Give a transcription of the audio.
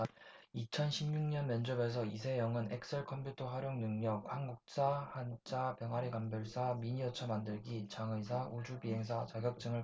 이천 십 육 년 면접에서 이세영은 엑셀 컴퓨터활용능력 한국사 한자 병아리감별사 미니어처만들기 장의사 우주비행사 자격증을 갖고도 경력이 없다며 무시당한다